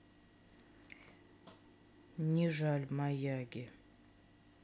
не жаль miyagi